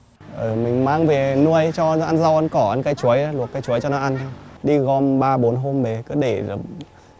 ờ mình mang về nuôi cho nó ăn rau ăn cỏ ăn cây chuối luộc cây chuối cho nó ăn đi gom ba bốn về cứ để